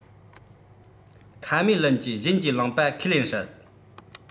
ཁ མའེ ལུན གྱིས གཞན གྱིས བླངས པ ཁས ལེན སྲིད